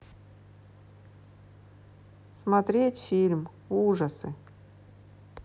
смотреть фильм ужасы